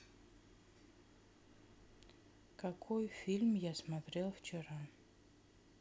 какой фильм я смотрел вчера